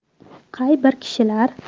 qay bir kishilar